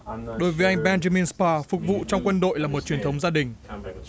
đối với anh ben de mi sờ pa phục vụ trong quân đội là một truyền thống gia đình